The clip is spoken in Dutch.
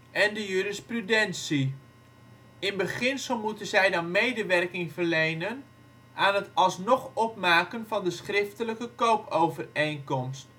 en de jurisprudentie. In beginsel moeten zij dan medewerking verlenen aan het alsnog opmaken van de schriftelijke koopovereenkomst